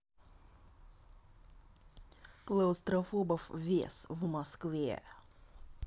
клаустрофобов вес в москве